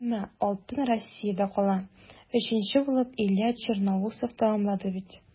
Әмма алтын Россиядә кала - өченче булып Илья Черноусов тәмамлады бит.